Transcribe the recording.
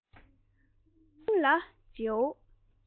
དགའ བའི བུ མོ སྙིང ལ རྗེ བོ